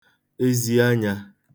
ezi anyā